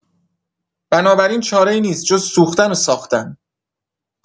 بنابراین چاره‌ای نیست جز سوختن و ساختن.